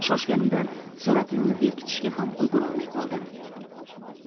shoshganimdan suratimni berkitishga ham ulgurolmay qoldim